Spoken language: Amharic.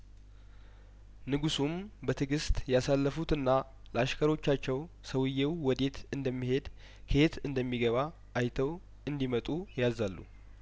ንጉሱም በትእግስት ያሳልፉትና ለአሽከሮቻቸው ሰውዬው ወዴት እንደሚሄድ ከየት እንደሚገባ አይተው እንዲመጡ ያዛሉ